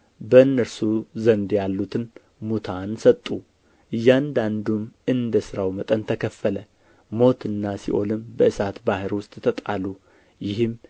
በእነርሱ ዘንድ ያሉትን ሙታን ሰጡ እያንዳንዱም እንደ ሥራው መጠን ተከፈለ ሞትና ሲኦልም በእሳት ባሕር ውስጥ ተጣሉ ይህም